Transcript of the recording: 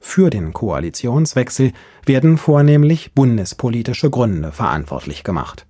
Für den Koalitionswechsel werden vornehmlich bundespolitische Gründe verantwortlich gemacht: